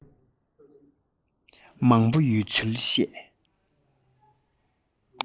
མང པོ ཡོད ཚུལ བཤད